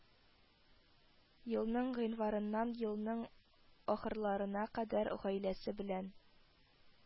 Елның гыйнварыннан елның ахырларына кадәр гаиләсе белән